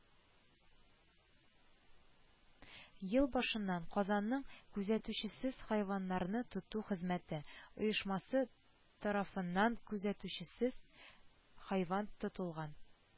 Ел башыннан казанның «күзәтүчесез хайваннарны тоту хезмәте» оешмасы тарафыннан күзәтүчесез хайван тотылган